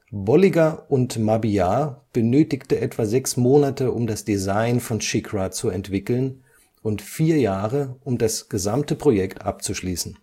Bolliger & Mabillard benötigte etwa sechs Monate, um das Design von SheiKra zu entwickeln, und vier Jahre, um das gesamte Projekt abzuschließen